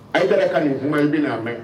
A yɛrɛ ka nin ɲuman in bɛ na mɛn